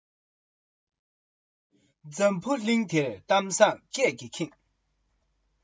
འཛམ བུ གླིང འདིར གཏམ བཟང སྐད ཀྱིས ཁེངས